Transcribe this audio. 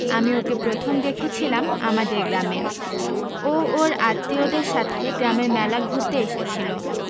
আমি ওকে প্রথম দেখেছিলাম আমাদের গ্রামে ও ওর আত্মীয়দের সাথে গ্রামের মেলা ঘুরতে এসেছিল